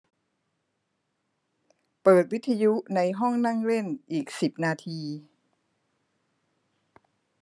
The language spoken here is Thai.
เปิดวิทยุในห้องนั่งเล่นอีกสิบนาที